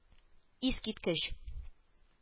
— искиткеч